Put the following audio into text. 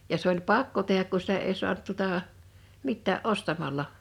ja se oli pakko tehdä kun sitä ei saanut tuota mitään ostamalla